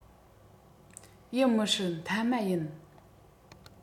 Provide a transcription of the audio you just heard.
ཡིན མི སྲིད མཐའ མ ཡིན